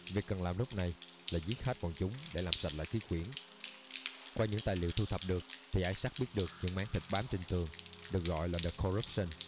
việc cần làm lúc này là giết hết bọn chúng để làm sạch lại khí quyển qua những tài liệu thu thập được thì isaac biết được những mảng thịt bám trên tường được gọi là the corruption